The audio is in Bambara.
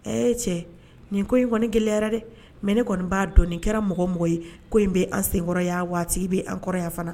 Ee cɛ nin ko in kɔni g yɛrɛ dɛ mɛ ne kɔni b'a dɔn nin kɛra mɔgɔ mɔgɔ ye ko in bɛ an senkɔrɔya waati bɛ an kɔrɔya fana